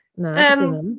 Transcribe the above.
Na... yym ... dwi ddim.